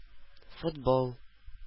Футбол